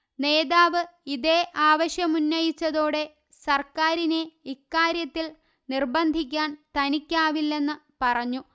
നേതാവ് ഇതേ ആവശ്യമുന്നയിച്ചതോടെ സര്ക്കാരിനെ ഇക്കാര്യത്തില് നിര്ബന്ധിക്കാന് തനിക്കാവില്ലെന്ന് പറഞ്ഞു